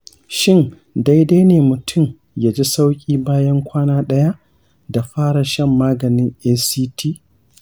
shin daidai ne mutum ya ji sauƙi bayan kwana ɗaya da fara shan maganin act?